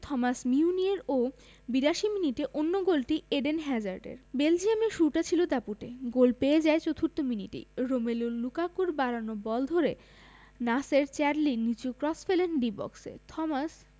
Thomas Meunier ও ৮২ মিনিটে অন্য গোলটি এডেন হ্যাজার্ডের বেলজিয়ামের শুরুটা ছিল দাপুটে গোল পেয়ে যায় চতুর্থ মিনিটেই রোমেলু লুকাকুর বাড়ানো বল ধরে নাসের চ্যাডলি নিচু ক্রস ফেলেন ডি বক্সে থমাস